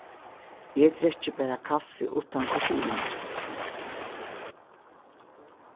eg drekki bara kaffi uttan koffein